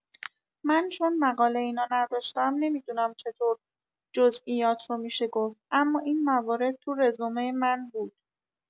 من چون مقاله اینا نداشتم نمی‌دونم چطور جزییات رو می‌شه گفت اما این موارد تو رزومه من بود.